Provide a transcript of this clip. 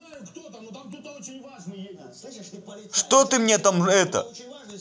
что ты мне там это